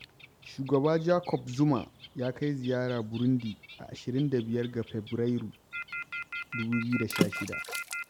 Shugaba Jacob Zuma ya kai ziyara Burundi a 25 ga Fabarairu, 2016.